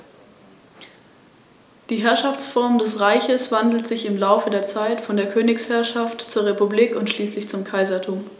Wie bei allen Arten der Unterfamilie Aquilinae sind die Beine bis zu den sehr kräftigen gelben Zehen befiedert.